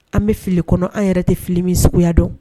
An bɛ fili kɔnɔ an yɛrɛ tɛ fili min suguya dɔn